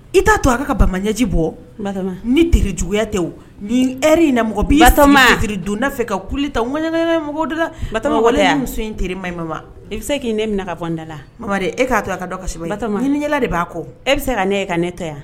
I ta to a ka bama ɲɛji bɔ ni teri juguyaya tɛ ni e na mɔgɔ donda fɛ ka kuli ta ŋ mɔgɔ la muso in teri ma ma i bɛ se k'i ne minɛ ka bɔda la mama e k'a to a ka ka de b'a kɔ e bɛ se ka ne ye ka ne ta yan